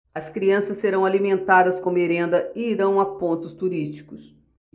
as crianças serão alimentadas com merenda e irão a pontos turísticos